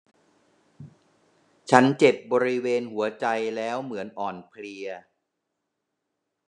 ฉันเจ็บบริเวณหัวใจแล้วเหมือนอ่อนเพลีย